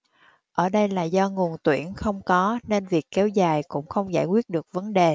ở đây là do nguồn tuyển không có nên việc kéo dài cũng không giải quyết được vấn đề